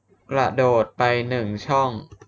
กระโดดไปหนึ่งช่อง